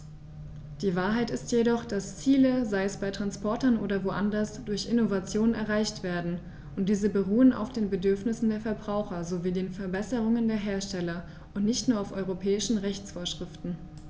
Die Wahrheit ist jedoch, dass Ziele, sei es bei Transportern oder woanders, durch Innovationen erreicht werden, und diese beruhen auf den Bedürfnissen der Verbraucher sowie den Verbesserungen der Hersteller und nicht nur auf europäischen Rechtsvorschriften.